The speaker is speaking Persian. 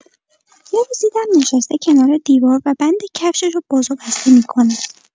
یه روز دیدم نشسته کنار دیوار و بند کفشش رو باز و بسته می‌کنه.